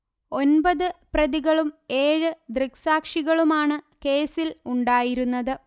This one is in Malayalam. ഒമ്പത് പ്രതികളും ഏഴ് ദൃക്സാക്ഷികളുമാണ് കേസിൽ ഉണ്ടായിരുന്നത്